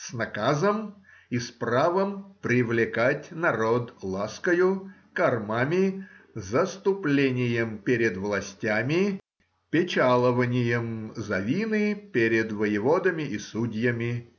с наказом и с правом привлекать народ ласкою, кормами, заступлением перед властями, печалованием за вины перед воеводами и судьями